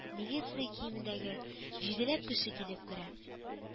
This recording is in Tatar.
Милиция киемендәге җиделәп кеше килеп керә